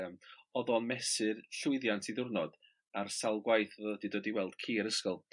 ymm odd o'n mesur llwyddiant 'i ddiwrnod ar sawl gwaith odd o 'di dod i weld ci yr ysgol.